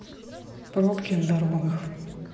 пробки на дорогах